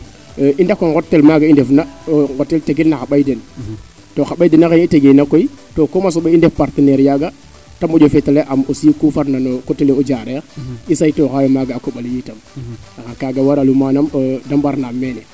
i ndako ngot teen maaga i ndef na ngotel tegel naxa ɓay den to xa ɓay dena xe i tegeena koy to comme a soɓa i ndef partenaire yaaga te moƴo feeta le'aam aussi ku farna no cote le o Diarekh i saytooxa yo maaga a koɓale itam kaga waralu manaam de mbarnaam meene